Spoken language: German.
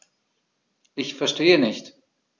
Ich verstehe nicht.